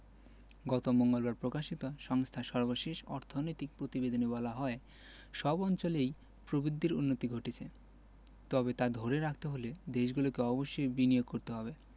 গত মঙ্গলবার প্রকাশিত সংস্থার সর্বশেষ অর্থনৈতিক প্রতিবেদনে বলা হয় সব অঞ্চলেই প্রবৃদ্ধির উন্নতি ঘটছে তবে তা ধরে রাখতে হলে দেশগুলোকে অবশ্যই বিনিয়োগ করতে হবে